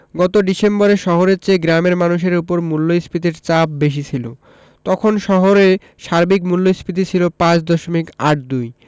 গত ডিসেম্বরে শহরের চেয়ে গ্রামের মানুষের ওপর মূল্যস্ফীতির চাপ বেশি ছিল তখন শহরে সার্বিক মূল্যস্ফীতি ছিল ৫ দশমিক ৮২